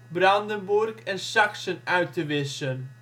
Brandenburg en Saksen uit te wissen